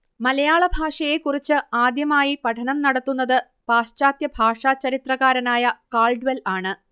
മലയാള ഭാഷയെക്കുറിച്ച് ആദ്യമായി പഠനം നടത്തുന്നത് പാശ്ചാത്യ ഭാഷാ ചരിത്രകാരനായ കാൾഡ്വെൽ ആണ്